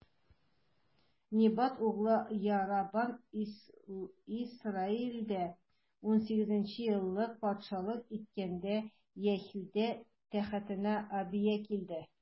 Небат углы Яробам Исраилдә унсигезенче елын патшалык иткәндә, Яһүдә тәхетенә Абия килде.